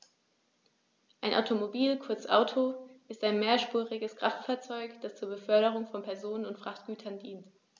Ein Automobil, kurz Auto, ist ein mehrspuriges Kraftfahrzeug, das zur Beförderung von Personen und Frachtgütern dient.